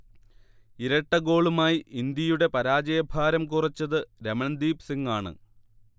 ഇരട്ടഗോളുമായി ഇന്ത്യയുടെ പരാജയഭാരം കുറച്ചത് രമൺദീപ് സിങ്ങാണ്